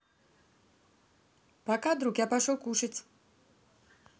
пока друг я пошел кушать